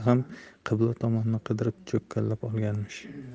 ham qibla tomonni qidirib cho'kkalab olganmish